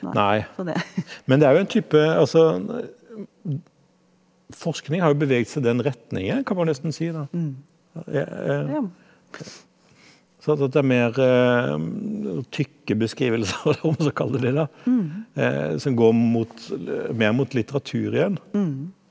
nei men det er jo en type altså forskning har jo bevegd seg den retningen kan man nesten si da sant at det er mere tykke beskrivelser om man skal kalle det det da som går mot mer mot litteratur igjen,